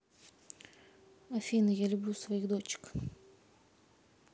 афина я люблю своих дочек